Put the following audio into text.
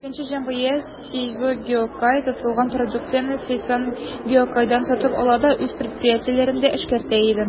Икенче җәмгыять, «Сейзо Гиокай», тотылган продукцияне «Сейсан Гиокайдан» сатып ала да үз предприятиеләрендә эшкәртә иде.